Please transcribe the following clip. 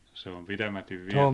se on pitämättä vielä